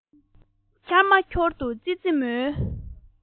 ཁྱར མ ཁྱོར དུ ཙི ཙི མོའི